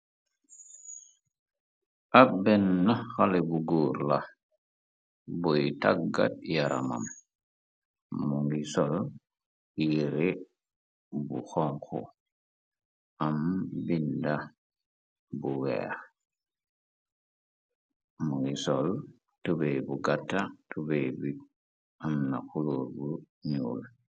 ab benn na xale bu góor la buy tàggat yaramam mungi sol yire bu xonku am binda bu weex mu ngi sol tubee bu gatta tube amna xuluor bu nuul.